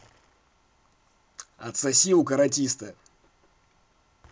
отсоси у каратиста